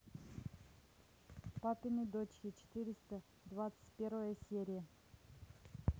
папины дочки четыреста двадцать первая серия